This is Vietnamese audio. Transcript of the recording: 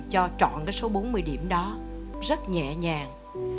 cho trọn cái số bốn mươi điểm đó rất nhẹ nhàng